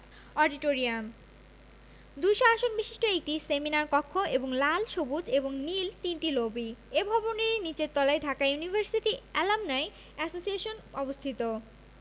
auditorium ২০০ আসন বিশিষ্ট একটি সেমিনার কক্ষ এবং লাল সবুজ এবং নীল তিনটি লবি এ ভবনেরই নিচের তলায় ঢাকা ইউনিভার্সিটি এলামনাই এসোসিয়েশন অবস্থিত